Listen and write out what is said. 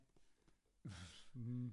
Hmm.